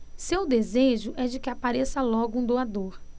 seu desejo é de que apareça logo um doador